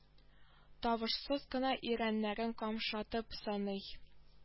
Тавышсыз гына ирәннәрен камшатып саный